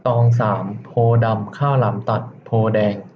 ตองสามโพธิ์ดำข้าวหลามตัดโพธิ์แดง